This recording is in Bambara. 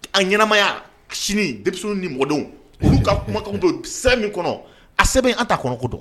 A ɲɛnamaya, sini, denmisɛnninw ni mɔndenw, , olu ka kumakan bɛ sɛbɛn min kɔnɔ a sɛbɛn an ta kɔnɔko dɔn.